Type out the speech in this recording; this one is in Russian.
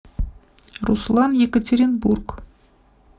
руслан екатеринбург